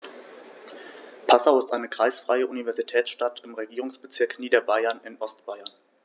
Passau ist eine kreisfreie Universitätsstadt im Regierungsbezirk Niederbayern in Ostbayern.